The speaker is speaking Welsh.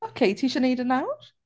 ok, ti isie wneud e nawr?